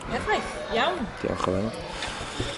Perffaith, iawn. Diolch yn fawr.